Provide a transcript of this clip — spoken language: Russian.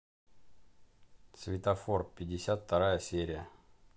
светофор пятьдесят вторая серия